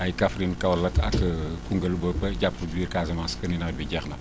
ay Kaffrine Kaolack ak Koungheul ba ba jàpp biir Casamance que ni nawet bi jeex na